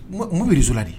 Mun bi réseau la de?